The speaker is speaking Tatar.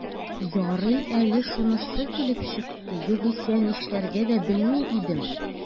Ярый әле шунысы килеп чыкты, югыйсә, нишләргә дә белми идем...